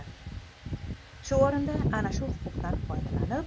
shu o'rinda ana shu huquqdan foydalanib